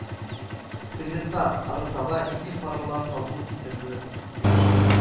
Президентка арытаба нинди карарлар кабул ителер гә